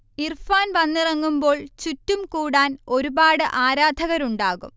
ഇർഫാൻ വന്നിറങ്ങുമ്പോൾ ചുറ്റും കൂടാൻ ഒരുപാട് ആരാധകരുണ്ടാകും